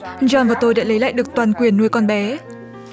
gion và tôi đã lấy lại được toàn quyền nuôi con bé